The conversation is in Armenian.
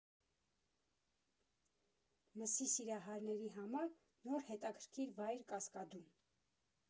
Մսի սիրահարների համար նոր հետաքրքիր վայր Կասկադում։